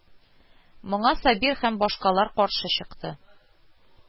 Моңар Сабир һәм башкалар каршы чыкты: